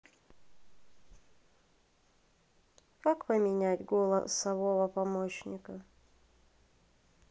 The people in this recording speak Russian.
как поменять голосового помощника